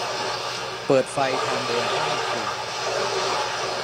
เปิดไฟทางเดินห้องครัว